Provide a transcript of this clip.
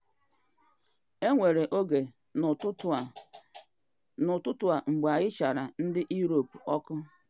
Enwere oge n’ụtụtụ a mgbe anyị chara ndị Europe ọkụ.